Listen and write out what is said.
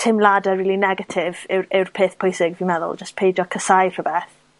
teimlada rili negatif yw' yw'r peth pwysig fi meddwl, jyst peidio casáu rhwbeth